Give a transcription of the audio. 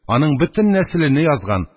Аның бөтен нәселене язган,